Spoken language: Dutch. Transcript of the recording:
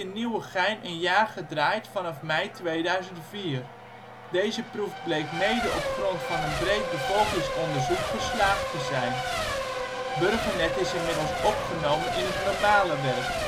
Nieuwegein een jaar gedraaid vanaf mei 2004. Deze proef bleek mede op grond van een breed bevolkingsonderzoek geslaagd te zijn. Burgernet is inmiddels opgenomen in het normale werk